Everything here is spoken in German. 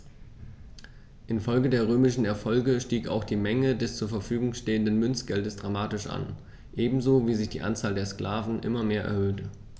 Infolge der römischen Erfolge stieg auch die Menge des zur Verfügung stehenden Münzgeldes dramatisch an, ebenso wie sich die Anzahl der Sklaven immer mehr erhöhte.